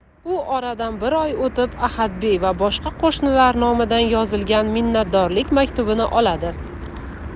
u oradan bir oy o'tib ahadbey va boshqa qo'shnilar nomidan yozilgan minnatdorlik maktubini oladi